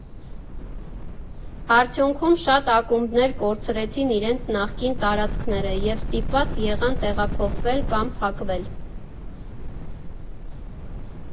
Արդյունքում շատ ակումբներ կորցրեցին իրենց նախկին տարածքները և ստիպված եղան տեղափոխվել կամ փակվել։